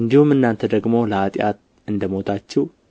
እንዲሁም እናንተ ደግሞ ለኃጢአት እንደ ሞታችሁ